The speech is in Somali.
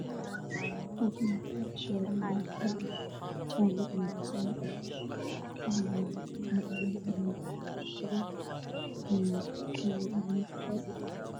Waa wax jaalo iyo gudud ah